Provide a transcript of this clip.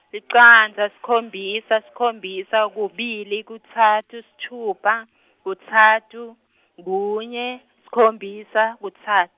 licandza, sikhombisa, sikhombisa, kubili, kutsatfu, sitfupha, kutsatfu, kunye, sikhombisa, kutsa-.